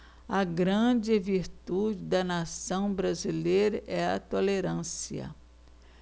a grande virtude da nação brasileira é a tolerância